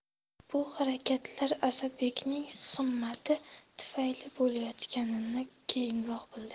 bu harakatlar asadbekning himmati tufayli bo'layotganini keyinroq bildi